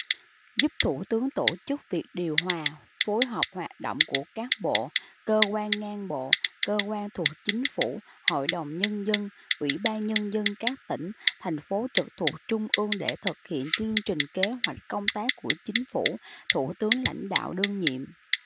giúp thủ tướng tổ chức việc điều hòa phối hợp hoạt động của các bộ cơ quan ngang bộ cơ quan thuộc chính phủ hội đồng nhân dân ủy ban nhân dân các tỉnh thành phố trực thuộc trung ương để thực hiện chương trình kế hoạch công tác của chính phủ thủ tướng lãnh đạo đương nhiệm